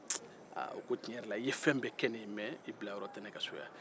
aaa ko tiɲɛn yɛrɛ la e ye fɛn bɛɛ kɛ ne ye mɛ i bilayɔrɔ tɛ ne ka so yan